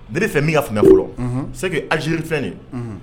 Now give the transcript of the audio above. fɔlɔ c'est que_ Algérie _ filɛ ni ye